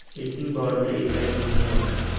esing borida etagingni yop